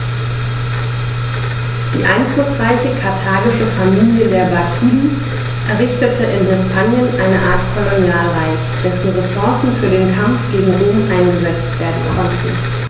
Die einflussreiche karthagische Familie der Barkiden errichtete in Hispanien eine Art Kolonialreich, dessen Ressourcen für den Kampf gegen Rom eingesetzt werden konnten.